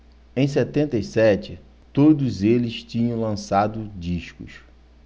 em setenta e sete todos eles tinham lançado discos